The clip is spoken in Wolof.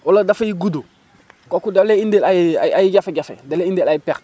wala dafay gudd kooku dalay indil ay ay jafe-jafe dalay indil ay pertes